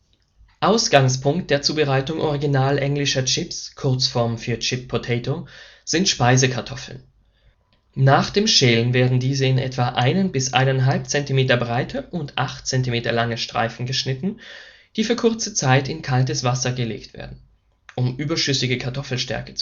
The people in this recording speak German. Ausgangspunkt der Zubereitung original englischer Chips (Kurzform für chipped potato) sind Speisekartoffeln. Nach dem Schälen werden diese in etwa einen bis eineinhalb Zentimeter breite und acht Zentimeter lange Streifen geschnitten, die für kurze Zeit in kaltes Wasser gelegt werden, um überschüssige Kartoffelstärke